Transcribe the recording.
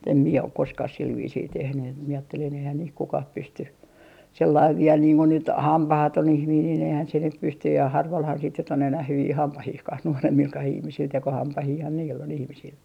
mutta en minä ole koskaan sillä viisiin tehnyt että minä ajattelin eihän niin kukaan pysty sellainen vielä niin kuin nyt hampaaton ihminen niin eihän se nyt pysty ja harvallahan sitten nyt on enää hyviä hampaitakaan nuoremmillakaan ihmisillä tekohampaitahan niillä on ihmisillä